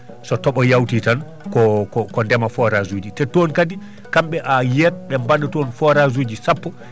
so tooɓo yawti tan ko ko ndema forage uji te toon kadi kamɓe ayiyat ɓe mbaɗa toon forage uji sappo